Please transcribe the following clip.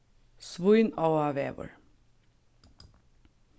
svínáavegur